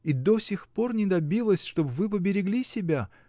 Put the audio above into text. И до сих пор не добилась, чтоб вы поберегли себя.